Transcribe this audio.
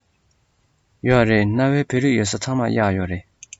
ཡོད རེད གནའ བོའི བོད རིགས ཡོད ས ཚང མར གཡག ཡོད རེད